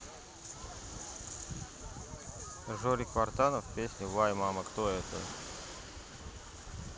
жорик вартанов песня вай мама кто это